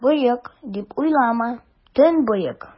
Боек, дип уйлама, төнбоек!